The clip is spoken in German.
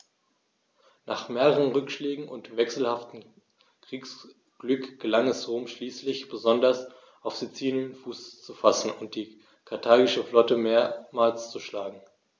Nach mehreren Rückschlägen und wechselhaftem Kriegsglück gelang es Rom schließlich, besonders auf Sizilien Fuß zu fassen und die karthagische Flotte mehrmals zu schlagen.